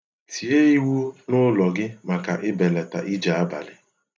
Tie iwu n'ụlọ gị maka ibelata ije abalị